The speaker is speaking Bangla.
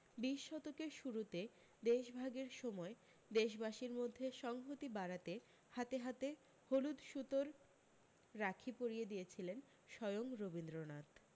বিশ শতকের শুরুতে দেশভাগের সময় দেশবাসীর মধ্যে সংহতি বাড়াতে হাতে হাতে হলুদ সুতোর রাখি পরিয়ে দিয়েছিলেন স্বয়ং রবীন্দ্রনাথ